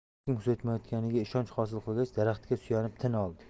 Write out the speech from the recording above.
hech kim kuzatmayotganiga ishonch hosil qilgach daraxtga suyanib tin oldi